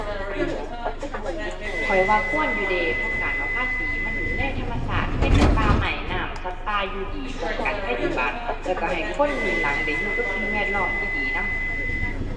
ข้อยว่าควรอยู่เดะ เพราะการเอาภาษีมาดูแลธรรมชาติเฮ็ดให้ป่าไม้ น้ำ สัตว์ป่าอยู่ดี ป้องกันภัยพิบัติ แล้วก็ให้คนรุ่นหลังได้อยู่กับสิ่งแวดล้อมดีดีนำ